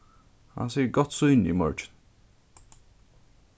hann sigur gott sýni í morgin